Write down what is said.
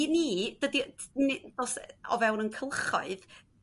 I mi o fewn ein cylchoedd